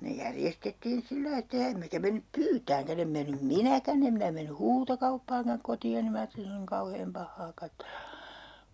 ne järjestettiin sillä lailla että ja emmekä mennyt pyytämäänkään en mennyt minäkään en minä mennyt huutokauppaankaan kotiini minä ajattelin se on niin kauhean pahaa katsella